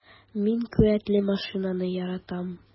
Мин куәтле машинаны яратам.